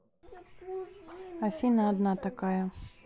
афина одна такая